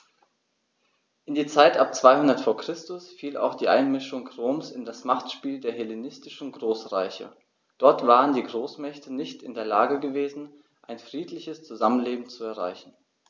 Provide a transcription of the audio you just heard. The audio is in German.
In die Zeit ab 200 v. Chr. fiel auch die Einmischung Roms in das Machtspiel der hellenistischen Großreiche: Dort waren die Großmächte nicht in der Lage gewesen, ein friedliches Zusammenleben zu erreichen.